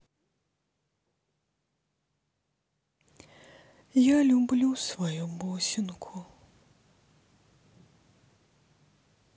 я люблю свою бусинку